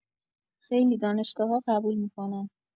خیلی دانشگاه‌‌ها قبول می‌کنن